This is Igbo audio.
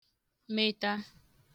metā